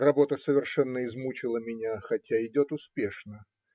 Работа совершенно измучила меня, хотя идет успешно.